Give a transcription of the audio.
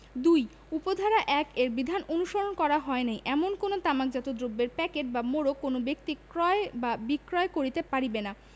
২ উপ ধারা ১ এর বিধান অনুসরণ করা হয় নাই এমন কোন তামাকজাত দ্রব্যের প্যাকেট বা মোড়ক কোন ব্যক্তি ক্রয় বা বিক্রয় করিতে পারিবে না